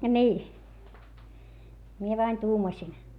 niin minä vain tuumasin